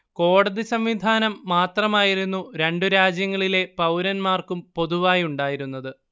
കോടതി സംവിധാനം മാത്രമായിരുന്നു രണ്ടുരാജ്യങ്ങളിലെ പൗരന്മാർക്കും പൊതുവായുണ്ടായിരുന്നത്